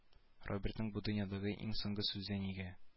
Робертның бу дөньядагы иң соңгы сүзе нигә